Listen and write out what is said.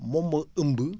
moom moo ëmb